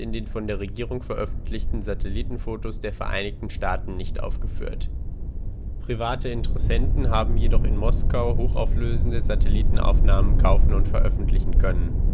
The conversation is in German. den von der Regierung veröffentlichten Satelliten-Fotos der Vereinigten Staaten. Private Interessenten haben jedoch erfolgreich in Moskau entsprechende hochauflösende Satelliten-Aufnahmen kaufen und veröffentlichen können